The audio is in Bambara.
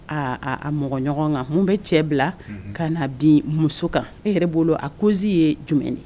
Aa a mɔgɔ ɲɔgɔn kan mun bɛ cɛ bila ka na bin muso kan e yɛrɛ bolo a cause ye jumɛn ye